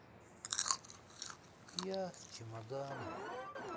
я с чемоданом